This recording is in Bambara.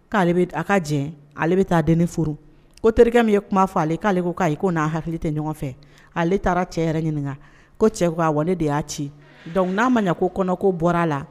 a ka jɛ ale bɛ taa deni furu ko terikɛ min ye kuma fɔ ale k'ale ko k'o ayi ko n'a hakili tɛ ɲɔgɔn fɛ ale taara cɛ yɛrɛ ɲininka ko cɛ ko ko awɔ ne de y'a ci dɔnku n'a ma ɲɛ ko kɔnɔ ko bɔra a la